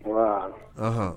Ɔnhɔn